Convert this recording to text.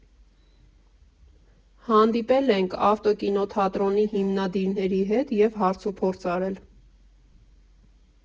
Հանդիպել ենք ավտոկինոթատրոնի հիմնադիրների հետ և հարցուփորձ արել։